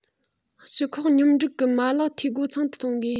སྤྱི ཁོག སྙོམས སྒྲིག གི མ ལག འཐུས སྒོ ཚང དུ གཏོང དགོས